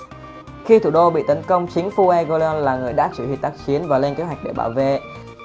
khi thủ đô bị tấn công chính fuegoleon là người đã chỉ huy tác chiến và lên kế hoạch để bảo vệ